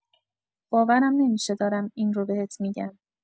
باورم نمی‌شه دارم این رو بهت می‌گم.